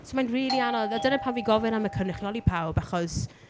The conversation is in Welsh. So mae'n rili anodd. A dyna pan fi'n gofyn am y cynrychioli pawb, achos...